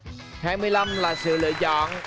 hai mươi lăm là sự lựa chọn